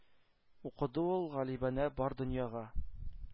Укыды ул галибанә бар дөньяга.